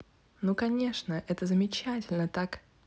ну конечно это замечательный так